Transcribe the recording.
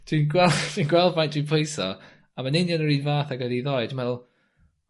dwi'n gwel' dwi'n gweld faint dwi'n pwyso a ma'n union yr un fath ag oedd 'i ddoe, dwi'n me'wl